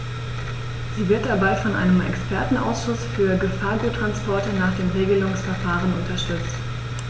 Sie wird dabei von einem Expertenausschuß für Gefahrguttransporte nach dem Regelungsverfahren unterstützt.